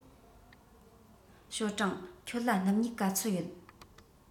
ཞའོ ཀྲང ཁྱོད ལ སྣུམ སྨྱུག ག ཚོད ཡོད